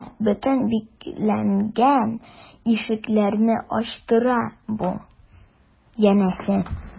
Мә, бөтен бикләнгән ишекләрне ачтыра бу, янәсе...